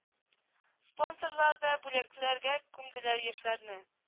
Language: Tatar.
Спонсорлар да бүләкләргә күмделәр яшьләрне